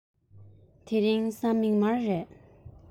དེ རིང གཟའ མིག དམར རེད